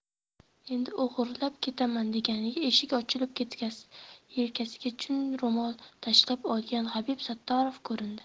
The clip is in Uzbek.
endi o'girilib ketaman deganida eshik ochilib yelkasiga jun ro'mol tashlab olgan habib sattorov ko'rindi